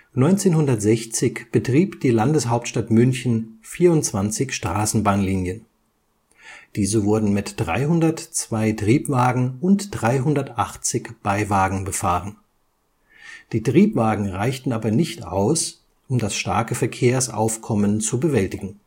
1960 betrieb die Landeshauptstadt München 24 Straßenbahnlinien. Diese wurden mit 302 Triebwagen und 380 Beiwagen befahren. Die Triebwagen reichten aber nicht aus, um das starke Verkehrsaufkommen zu bewältigen